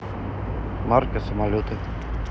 марка самолета